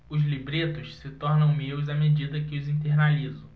os libretos se tornam meus à medida que os internalizo